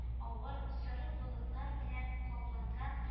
Авыр, соры болытлар белән капланган